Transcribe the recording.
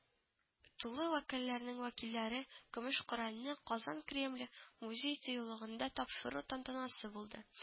Тулы вәккәлләрнең вәкилләре көмеш Коръәнне Казан Кремле музей тыюлыгында тапшыру тантанасы булды